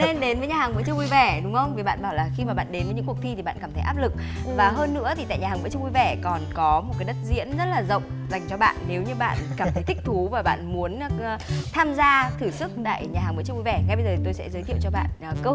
nên đến với nhà hàng bữa trưa vui vẻ đúng không vì bạn bảo là khi bạn đến những cuộc thi thì bạn cảm thấy áp lực và hơn nữa thì tại nhà hàng bữa trưa vui vẻ còn có một cái đất diễn rất là rộng dành cho bạn nếu như bạn cảm thấy thích thú và bạn muốn tham gia thử sức tại nhà hàng bữa trưa vui vẻ ngay bây giờ tôi sẽ giới thiệu cho bạn cơ hội